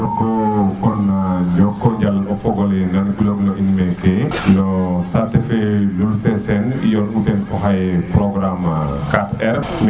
njoko kana njoko dial o fogo le nan gilox na in meke no sate fe lul seseen i yoon u fo den programme 4R